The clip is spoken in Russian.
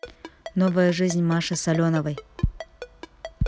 новая жизнь маши соленовой